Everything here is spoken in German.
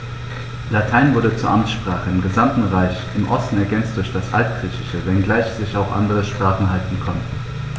Latein wurde zur Amtssprache im gesamten Reich (im Osten ergänzt durch das Altgriechische), wenngleich sich auch andere Sprachen halten konnten.